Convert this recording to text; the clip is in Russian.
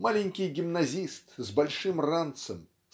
Маленький гимназист с большим ранцем